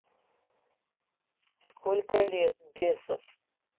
сколько лет бесов